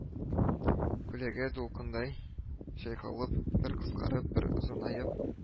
Күләгә дулкындай чайкалып – бер кыскарып, бер озынаеп